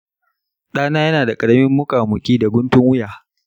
ɗana yana da ƙaramin muƙamuƙi da guntun wuya.